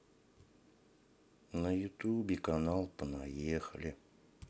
на ютубе канал понаехали